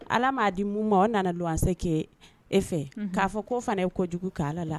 Ala m'a di mun ma o nana donse k' e fɛ k'a fɔ ko fana ye kojugu kɛ ala la